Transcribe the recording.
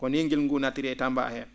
koni ngilngu nguu naattiri e Tamba hee